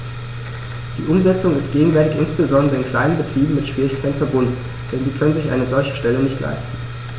Die Umsetzung ist gegenwärtig insbesondere in kleinen Betrieben mit Schwierigkeiten verbunden, denn sie können sich eine solche Stelle nicht leisten.